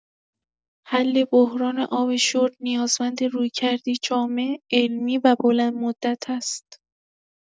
حل بحران آب شرب نیازمند رویکردی جامع، علمی و بلندمدت است.